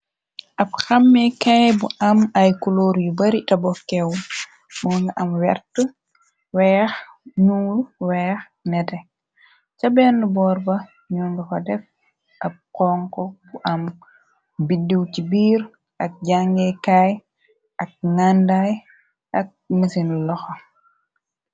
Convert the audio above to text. Ab xamme kaay bu am ay kuloor yu bari tabokkew moo nga am wert weex ñuuy weex nete ca benn boorba ñoo nga xo def ab xonko bu am biddiw ci biir ak jange kaay ak ngandaay ak mësinu loxo